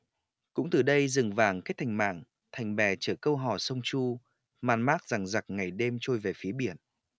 cũng từ đây rừng vàng kết thành mảng thành bè chở câu hò sông chu man mác dằng dặc ngày đêm trôi về phía biển